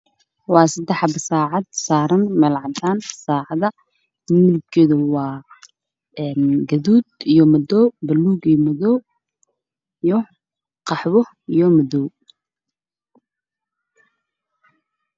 Waa Sadex saacad oo midabkoodu yahay madow ee